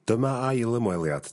Dyma ail ymweliad...